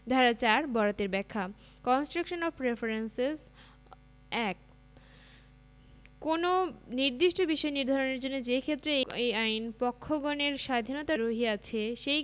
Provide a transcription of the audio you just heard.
ধারা ৪ বরাতের ব্যাখ্যা কন্সট্রাকশন অফ রেফারেঞ্চেস ১ কোন নির্দিষ্ট বিষয় নির্ধারণের জন্য যেইক্ষেত্রে এই আইন পক্ষগণের স্বাধীণতা রহিয়াছে সেই